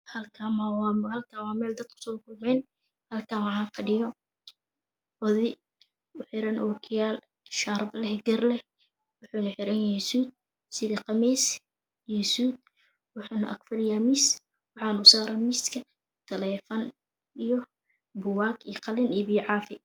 Hal kaan waa mel dad kusoo kup meen odey oo xiran okiyaalo Shaarpa leh garleh waxu xiran yahy suud oyo qamiis waxuuna ag fadhiyaa miis waxaana usaaran miiska taleefan iyo puug iyo qalin iyo piyo caafi